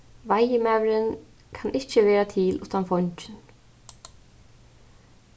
veiðimaðurin kann ikki vera til uttan fongin